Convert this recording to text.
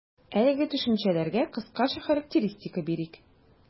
Әлеге төшенчәләргә кыскача характеристика бирик.